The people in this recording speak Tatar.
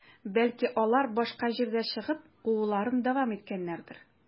Бәлки, алар башка җирдә чыгып, кууларын дәвам иткәннәрдер?